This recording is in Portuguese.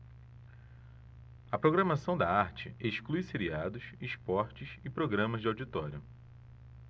a programação da arte exclui seriados esportes e programas de auditório